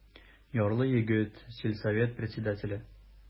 Ярлы егет, сельсовет председателе.